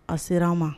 A sera an ma